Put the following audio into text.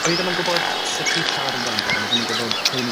o'n i ddim yn gwbod sut i siarad amdano fe. O'n i ddim yn gwbod pwy o'n i